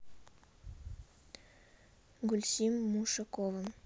гульсим мушукова